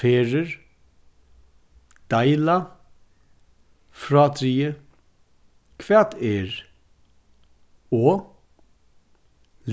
ferðir deila frádrigið hvat er og